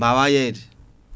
mnbawa yeyde